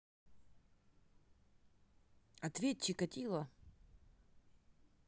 ответь чикатило